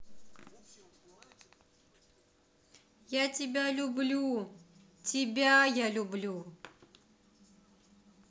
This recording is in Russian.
я тебя люблю тебя я люблю